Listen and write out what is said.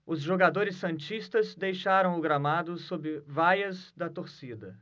os jogadores santistas deixaram o gramado sob vaias da torcida